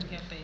gerte yi